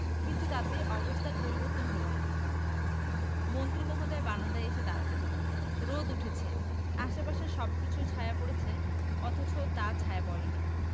কিন্তু তাতে অবস্থার পরিবর্তন হলো না মন্ত্রী মহোদয় বারান্দায় এসে দাঁড়ালেন রোদ উঠেছে আশপাশের সবকিছুর ছায়া পড়েছে অথচ তাঁর ছায়া পড়েনি